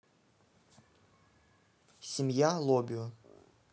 семья лобио